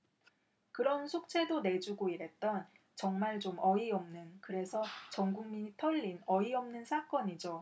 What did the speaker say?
그런 숙제도 내주고 이랬던 정말 좀 어이없는 그래서 전국민이 털린 어이없는 사건이죠